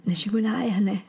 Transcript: nes i fwyn'au hynny.